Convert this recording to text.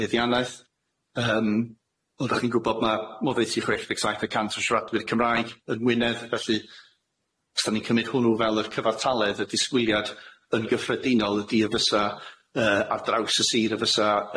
meddiannaeth yym ond o'ch chi'n gwbod ma' oddeutu chwech deg saith y cant o siaradwyr Cymraeg yn Gwynedd felly os dan ni'n cymyd hwnnw fel yr cyfartaledd y disgwyliad yn gyffredinol ydi y fysa yy ar draws y Sir y fysa